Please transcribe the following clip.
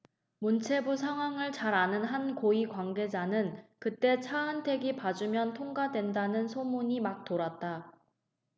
문체부 상황을 잘 아는 한 고위 관계자는 그때 차은택이 봐주면 통과된다는 소문이 막 돌았다